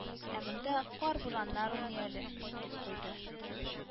Ә монда кар-бураннар уйный әле,— дип куйды